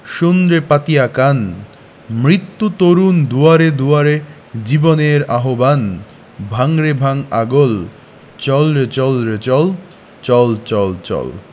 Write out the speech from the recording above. শোন রে পাতিয়া কান মৃত্যু তরণ দুয়ারে দুয়ারে জীবনের আহবান ভাঙ রে ভাঙ আগল চল রে চল রে চল চল চল চল